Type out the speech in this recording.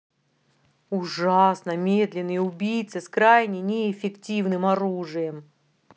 ужасно медленный убийца с крайне неэффективным оружием